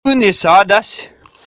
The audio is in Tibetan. ངའི ཤ ཇེ རྒྱགས སུ སོང བ དང